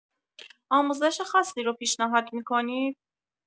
آموزش خاصی رو پیشنهاد می‌کنید؟